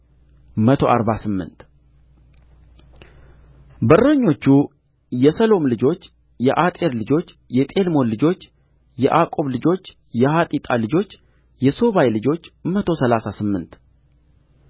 መቶ አርባ ስምንት በረኞቹ የሰሎም ልጆች የአጤር ልጆች የጤልሞን ልጆች የዓቁብ ልጆች የሐጢጣ ልጆች የሶባይ ልጆች መቶ ሠላሳ ስምንት